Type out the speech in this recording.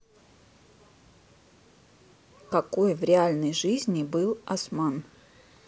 какой в реальной жизни был осман